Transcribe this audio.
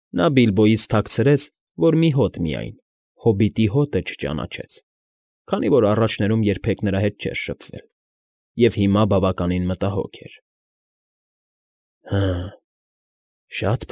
Նա Բիլբոյից թաքցրեց, որ մի հոտ միայն, հոբիտի հոտը չճանաչեց, քանի որ առաջներում երբեք նրա հետ չէր շփվել և հիմա բավականին մտահոգ էր։ ֊ Հը, շա՞տ։